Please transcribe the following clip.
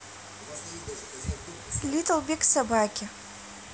little big собаки